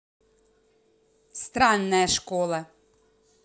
странная школа